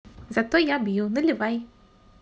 зато я бью наливай